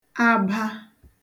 aba